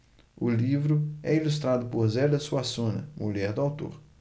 o livro é ilustrado por zélia suassuna mulher do autor